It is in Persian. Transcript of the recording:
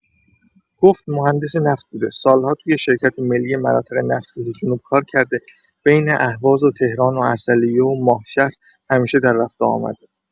گفت مهندس نفت بوده، سال‌ها توی شرکت ملی مناطق نفت‌خیز جنوب کار کرده، بین اهواز و تهران و عسلویه و ماهشهر همیشه در رفت‌وآمده.